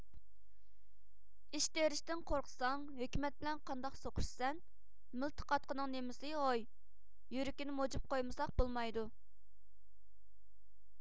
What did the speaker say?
ئىش تېرىشتىن قورقساڭ ھۆكۈمەت بىلەن قانداق سوقۇشىسەن مىلتىق ئاتقىنىڭ نېمىسى ھوي يۈرىكىنى موجۇپ قويمىساق بولمايدۇ